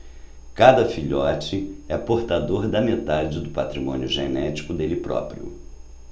cada filhote é portador da metade do patrimônio genético dele próprio